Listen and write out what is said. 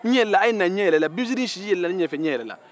n ɲɛ yɛlɛla a ye na n ɲɛ yɛlɛla binsiri sisi yɛlɛla ne ɲɛfɛ n ɲɛ yɛlɛla